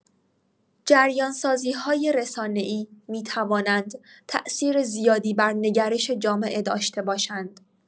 جریان‌سازی‌های رسانه‌ای می‌توانند تاثیر زیادی بر نگرش جامعه داشته باشند.